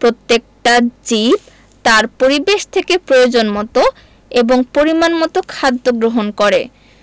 প্রত্যেকটা জীব তার পরিবেশ থেকে প্রয়োজনমতো এবং পরিমাণমতো খাদ্য গ্রহণ করে